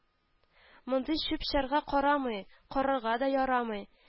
Мондый чүп-чарга карамый карарга да ярамый